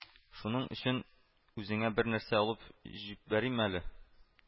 Шуның өчен үзеңә бер нәрсә алып җиппәрим әле